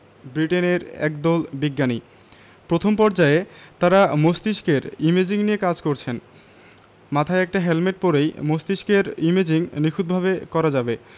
ব্রিটেনের একদল বিজ্ঞানী প্রথম পর্যায়ে তারা মস্তিষ্কের ইমেজিং নিয়ে কাজ করেছেন মাথায় একটা হেলমেট পরেই মস্তিষ্কের ইমেজিং নিখুঁতভাবে করা যাবে